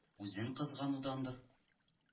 Үзен кызганудандыр